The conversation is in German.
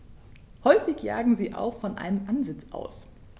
Häufig jagen sie auch von einem Ansitz aus.